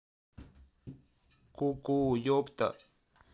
ку ку епта